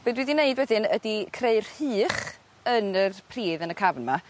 be' dwi 'di neud wedyn ydi creu rhych yn yr pridd yn y cafn 'ma